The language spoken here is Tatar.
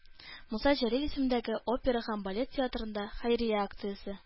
Муса Җәлил исемендәге опера һәм балет театрында – хәйрия акциясе